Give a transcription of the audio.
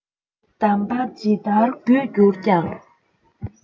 དམ པ ཇི ལྟར རྒྱུད གྱུར ཀྱང